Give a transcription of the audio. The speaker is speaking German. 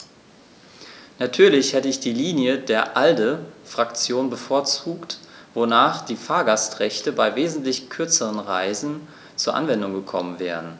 Natürlich hätte ich die Linie der ALDE-Fraktion bevorzugt, wonach die Fahrgastrechte bei wesentlich kürzeren Reisen zur Anwendung gekommen wären.